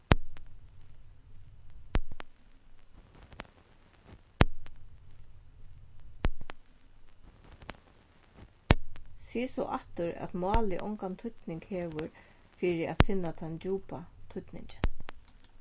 sig so aftur at málið ongan týdning hevur fyri at finna tann djúpa týdningin